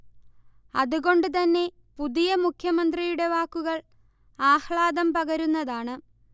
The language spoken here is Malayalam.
അതുകൊണ്ടുതന്നെ പുതിയ മുഖ്യമന്ത്രിയുടെ വാക്കുകൾ ആഹ്ലാദം പകരുന്നതാണ്